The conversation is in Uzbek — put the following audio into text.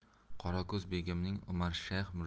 qorako'z begimning umarshayx mirzoga